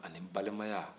ani balimaya